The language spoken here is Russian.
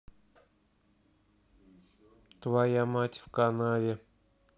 твоя мать в канаве